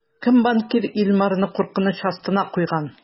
Кем банкир Илмарны куркыныч астына куйган?